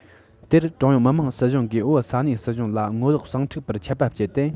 དེར ཀྲུང དབྱང མི དམངས སྲིད གཞུང གིས བོད ས གནས སྲིད གཞུང ལ ངོ ལོག ཟིང འཁྲུག པར ཆད པ བཅད དེ